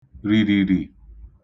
rìrìrì